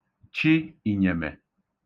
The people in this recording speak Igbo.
chị ìnyèmè